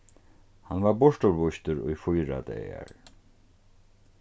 hann varð burturvístur í fýra dagar